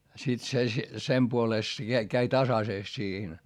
sitten se sen puolesta se kävi kävi tasaisesti siihen